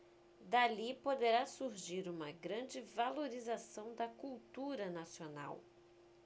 dali poderá surgir uma grande valorização da cultura nacional